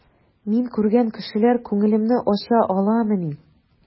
Мин күргән кешеләр күңелемне ача аламыни?